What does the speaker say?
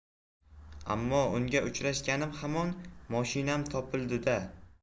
ammo unga uchrashganim hamon moshinam topildi da